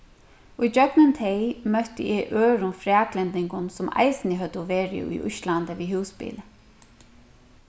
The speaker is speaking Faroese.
ígjøgnum tey møtti eg øðrum fraklendingum sum eisini høvdu verið í íslandi við húsbili